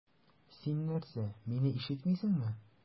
Син нәрсә, мине ишетмисеңме?